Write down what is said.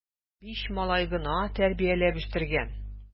Биш малай гына тәрбияләп үстергән!